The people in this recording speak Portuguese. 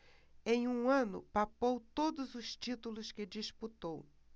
em um ano papou todos os títulos que disputou